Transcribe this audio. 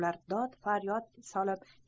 ular dod faryod solib